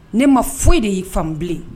Ne ma foyi de y'i fanbilen